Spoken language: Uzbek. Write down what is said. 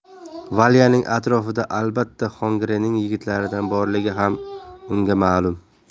valyaning atrofida albatta xongireyning yigitlaridan borligi ham unga ma'lum